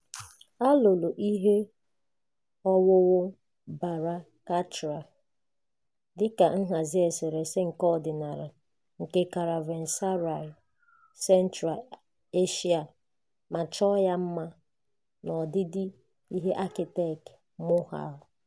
A rụrụ ihe owuwu Bara Katra, dị ka nhazi eserese nke ọdịnala nke karavenseraị Central Asia ma chọọ ya mma n'ọdịdị ihe akịtekịtị Mughal.